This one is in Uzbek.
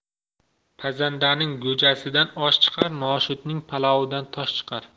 pazandaning go'jasidan osh chiqar noshudning palovidan tosh chiqar